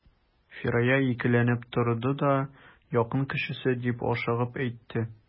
Фирая икеләнеп торды да: — Якын кешесе,— дип ашыгып әйтте.